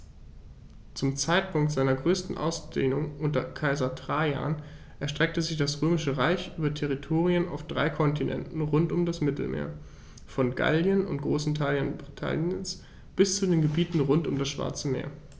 Zum Zeitpunkt seiner größten Ausdehnung unter Kaiser Trajan erstreckte sich das Römische Reich über Territorien auf drei Kontinenten rund um das Mittelmeer: Von Gallien und großen Teilen Britanniens bis zu den Gebieten rund um das Schwarze Meer.